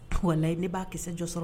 Ah walahi ne b'a kisɛ jɔ sɔrɔ